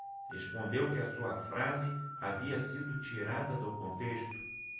respondeu que a sua frase havia sido tirada do contexto